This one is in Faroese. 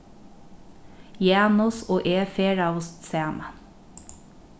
janus og eg ferðaðust saman